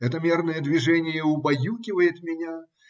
Это мерное движение убаюкивает меня.